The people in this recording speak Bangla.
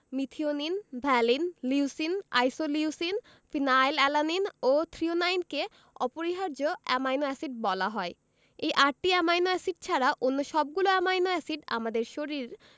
methionine valine leucine isoleucine phenyl alanine ও থ্রিওনাইনকে অপরিহার্য অ্যামাইনো এসিড বলা হয় এই আটটি অ্যামাইনো এসিড ছাড়া অন্য সবগুলো অ্যামাইনো এসিড আমাদের শরীর